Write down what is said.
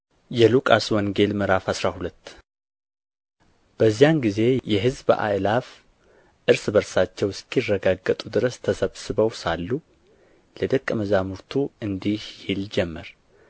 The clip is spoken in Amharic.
የሉቃስ ወንጌል ምዕራፍ አስራ ሁለት በዚያን ጊዜ የሕዝብ አእላፍ እርስ በርሳቸው እስኪረጋገጡ ድረስ ተሰብስበው ሳሉ ለደቀ መዛሙርቱ እንዲህ ይል ጀመር